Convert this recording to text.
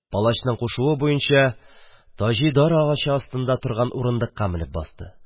Палачның кушуы буенча, Таҗи дар агачы астында торган урындыкка менеп басты.